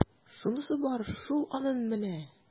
Шунысы бар шул аның менә! ..